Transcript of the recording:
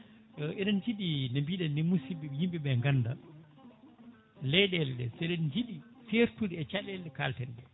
eɗen jiiɗi no mbiɗen ni musidɓe yimɓeɓe ganda leyɗele ɗe seɗen jiiɗi certude e caɗele ɗe kalten ɗe